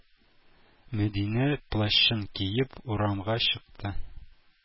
Мәдинә плащын киеп урамга чыкты.